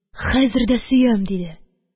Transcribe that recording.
Хәзер дә сөям, – диде.